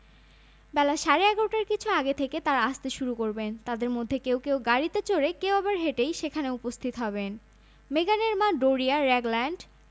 প্রথমআলো এর বিনোদন ডেস্ক হতে সংগৃহীত লিখেছেনঃ স্বপন আহমেদ প্রকাশের সময় ১৪মে ২০১৮ রাত ৩টা ৪৯ মিনিট